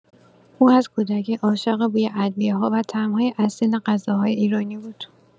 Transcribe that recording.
او از کودکی عاشق بوی ادویه‌ها و طعم‌های اصیل غذاهای ایرانی بود.